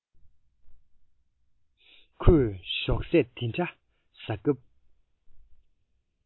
ཁོས ཞོགས ཟས དེ འདྲ བཟའ སྐབས